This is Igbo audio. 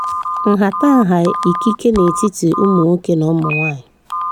Nhatanha ikike n’etiti ụmụ nwoke na ụmụ nwaanyị